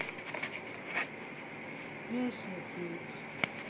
песня кидс